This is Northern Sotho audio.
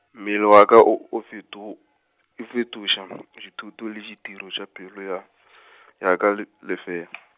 mmele wa ka o, o feto-, e fetoša dithuto, le ditoro tša pelo ya , ya ka, le-, lefeela .